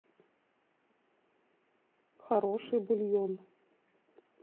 хороший бульон